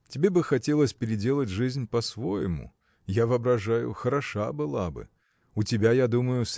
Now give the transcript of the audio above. – Тебе бы хотелось переделать жизнь по-своему я воображаю, хороша была бы. У тебя я думаю